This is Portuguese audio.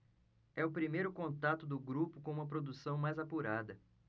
é o primeiro contato do grupo com uma produção mais apurada